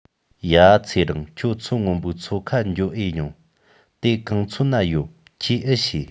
ཡ ཚེ རིང ཁྱོད མཚོ སྔོན པོའི མཚོ ཁ འགྱོ ཨེ མྱོང དེ གང ཚོད ན ཡོད ཁྱོས ཨེ ཤེས